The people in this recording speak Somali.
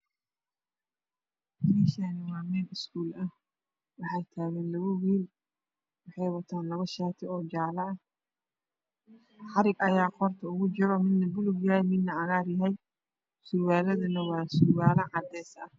Mashan waa mel isguul ah wax tagan labo will waxa ay wataan shaati jaalo ah iyo surwaal cadees ah.